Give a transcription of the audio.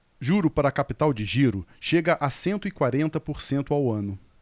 juro para capital de giro chega a cento e quarenta por cento ao ano